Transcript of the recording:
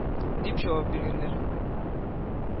— дип җавап биргәннәр.